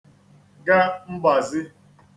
ga mgbazī